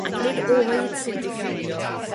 Ac nid oed sy'n diffinio